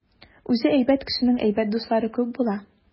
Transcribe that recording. Үзе әйбәт кешенең әйбәт дуслары күп була.